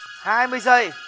hai mươi giây